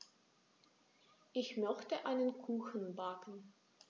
Ich möchte einen Kuchen backen.